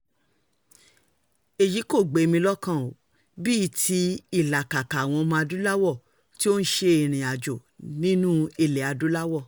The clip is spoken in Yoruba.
Èyí kò gbé mi lọ́kàn bíi ti ìlàkàkà àwọn ọmọ-adúláwọ̀ tí ó ń ṣe ìrìnàjò nínúu ilẹ̀-adúláwọ̀.